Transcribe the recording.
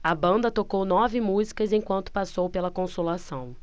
a banda tocou nove músicas enquanto passou pela consolação